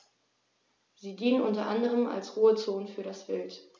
Sie dienen unter anderem als Ruhezonen für das Wild.